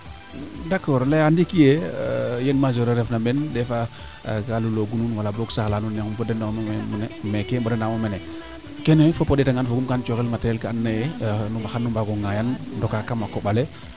d' accord leyaa ndiiki yee yee majeur a refna meen ka lulo gong wala saaxla meeke mboda naamo mene keene fop ndeta ngaan fogum kan cooxel materiel kaa ando naye xanu mbaago ngaaya ndoka kama koɓale